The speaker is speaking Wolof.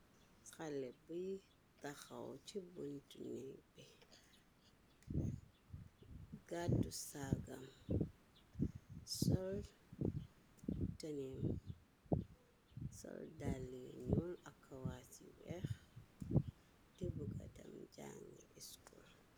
Xale buy taxaw ci buntu nehgg bi, gaddu saagam, sol tehneum, sol dalah yu njull ak kawaas ci weex, di buga dem jangui iscool.